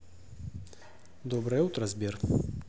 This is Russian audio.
доброе утро сбер